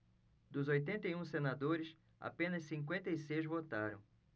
dos oitenta e um senadores apenas cinquenta e seis votaram